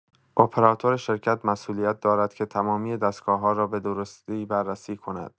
اپراتور شرکت مسئولیت دارد که تمامی دستگاه‌ها را به‌درستی بررسی کند.